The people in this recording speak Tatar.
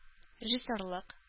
Режиссерлык